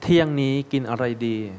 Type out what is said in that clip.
เที่ยงนี้กินอะไรดี